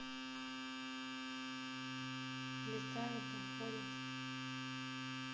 летают доходят